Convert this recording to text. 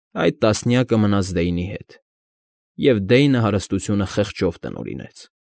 Այդ տասնյակը մնաց Դեյնի հետ, և Դեյնը հարստությունը խղճով տնօրինեց։